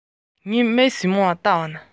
སྐར གྲངས རྩི བཞིན ཡོད འགྲོ